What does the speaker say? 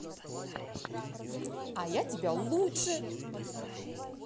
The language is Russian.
а я тебя лучше